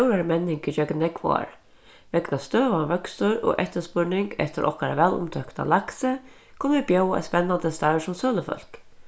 sum framleiðir laks hevur verið í stórari menning ígjøgnum nógv ár vegna støðugan vøkstur og eftirspurning eftir okkara vælumtókta laksi kunnu vit bjóða eitt spennandi starv sum sølufólk